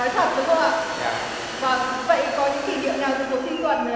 nói thật đúng không ạ vầng vậy có những kỷ niệm nào từ cuộc thi tuần